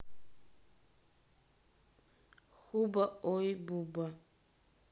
хуба ой буба